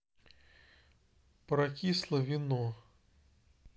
прокисло вино